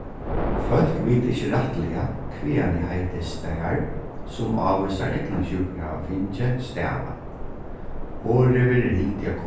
fólk vita ikki rættiliga hvaðani heitið star sum ávísar eygnasjúkur hava fingið stava orðið verður hildið at